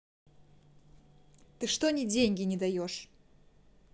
ты что не деньги не даешь